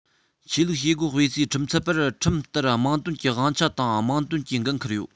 ཆོས ལུགས བྱེད སྒོ སྤེལ སའི ཁྲིམས ཚབ པར ཁྲིམས ལྟར དམངས དོན གྱི དབང ཆ དང དམངས དོན གྱི འགན ཁུར ཡོད